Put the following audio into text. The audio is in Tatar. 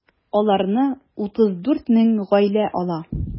Аларны 34 мең гаилә ала.